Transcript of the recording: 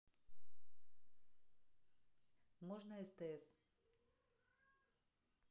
можно стс